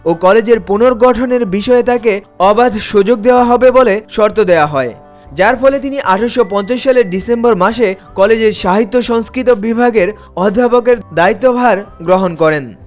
ও কলেজের পূনর্গঠনের বিষয়ে তাকে অবাধ সুযোগ দেয়া হবে বলে শর্ত দেয়া হয় যার ফলে তিনি ১৮৫০ সালের ডিসেম্বর মাসে কলেজে সাহিত্য সংস্কৃত বিভাগের অধ্যাপক এর দায়িত্বভার গ্রহণ করেন